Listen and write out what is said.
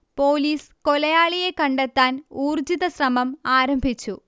police കൊലയാളിയെ കണ്ടെത്താൻ ഊർജ്ജിത ശ്രമം ആരംഭിച്ചു